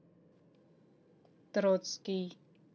троцкий